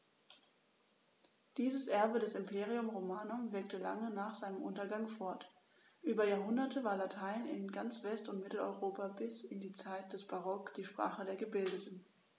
Dieses Erbe des Imperium Romanum wirkte lange nach seinem Untergang fort: Über Jahrhunderte war Latein in ganz West- und Mitteleuropa bis in die Zeit des Barock die Sprache der Gebildeten.